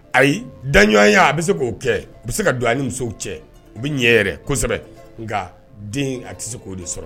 Ayi danɲɔgɔnya a bɛ se k'o kɛ u bɛ se ka don ani musow cɛ u bɛ ɲɛ yɛrɛ kosɛbɛ nka den a tɛ se k'o de sɔrɔ